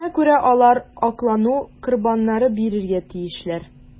Шуңа күрә алар аклану корбаннары бирергә тиешләр.